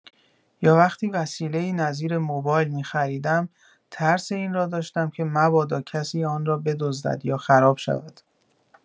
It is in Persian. یا وقتی وسیله‌ای نظیر موبایل می‌خریدم، ترس این را داشتم که مبادا کسی آن را بدزدد یا خراب شود.